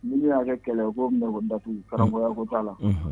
Ni min y'a kɛ kɛlɛ ye u b'o minnɛ k'o datugu unh karamɔgɔya ko t'a la unhun